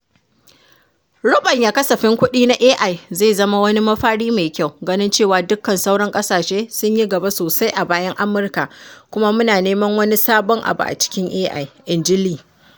“Ruɓanya kasafin kuɗi na AI zai zama wani mafari mai kyau, ganin cewa dukkan sauran ƙasashe sun yi gaba sosai a bayan Amurka kuma muna neman wani sabon abu a cikin AI,” inji Lee.